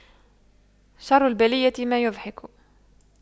شر البلية ما يضحك